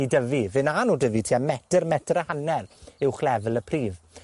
i dyfu. Fe wna nw dyfu tua meter, meter a hanner uwch lefel y pridd.